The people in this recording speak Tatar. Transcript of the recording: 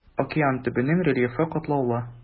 Океан төбенең рельефы катлаулы.